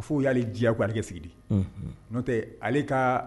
F'u i y'ale diyagoya ale ka sigi de, unhun, n'o tɛ, ale ka